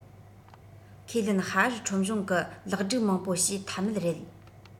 ཁས ལེན ཧྭ ཨེར ཁྲོམ གཞུང གི ལེགས སྒྲིག མང པོ བྱས ཐབས མེད རེད